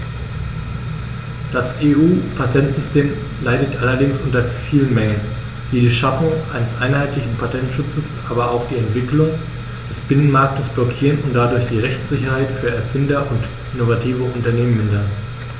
Das EU-Patentsystem leidet allerdings unter vielen Mängeln, die die Schaffung eines einheitlichen Patentschutzes, aber auch die Entwicklung des Binnenmarktes blockieren und dadurch die Rechtssicherheit für Erfinder und innovative Unternehmen mindern.